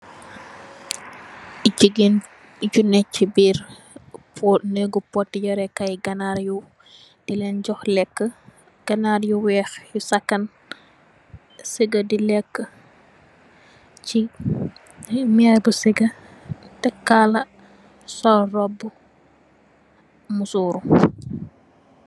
A lady that's inside a poultry farmhouse feeding the poultry. There's a lot of white chickens feeding from the lady who has a scarf, head tie and dress on.